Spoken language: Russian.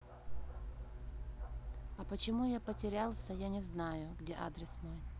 а почему я потерялся я не знаю где адрес мой